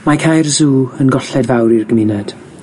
Mae cau'r sw yn golled fawr i'r gymuned.